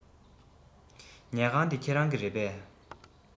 ཉལ ཁང འདི ཁྱེད རང གི རེད པས